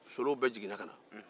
solow bɛɛ jiginna ka na